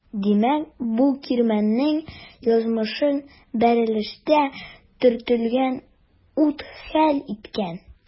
Димәк бу кирмәннең язмышын бәрелештә төртелгән ут хәл иткән.